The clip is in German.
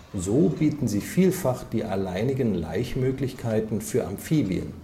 So bieten sie vielfach die alleinigen Laichmöglichkeiten für Amphibien